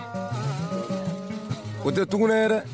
Ko tɛ tugu ye